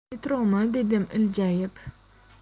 metromi dedim iljayib